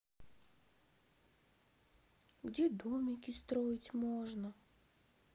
где домики строить можно